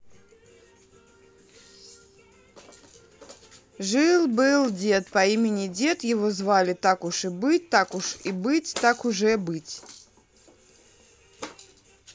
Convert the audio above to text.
жил был дед по имени дед его звали так уж и быть так уж и быть так уже быть